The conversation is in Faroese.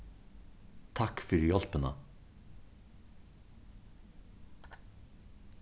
takk fyri hjálpina